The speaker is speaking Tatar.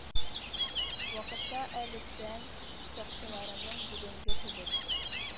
Вакытта әле тән сакчыларының бүгенге кебек